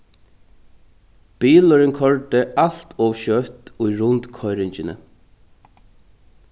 bilurin koyrdi alt ov skjótt í rundkoyringini